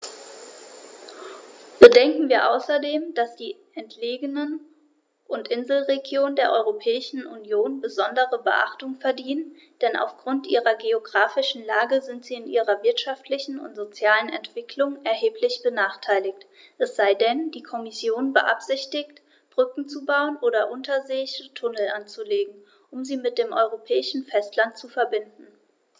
Bedenken wir außerdem, dass die entlegenen und Inselregionen der Europäischen Union besondere Beachtung verdienen, denn auf Grund ihrer geographischen Lage sind sie in ihrer wirtschaftlichen und sozialen Entwicklung erheblich benachteiligt - es sei denn, die Kommission beabsichtigt, Brücken zu bauen oder unterseeische Tunnel anzulegen, um sie mit dem europäischen Festland zu verbinden.